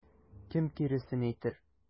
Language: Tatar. Кем киресен әйтер?